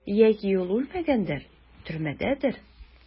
Яки ул үлмәгәндер, төрмәдәдер?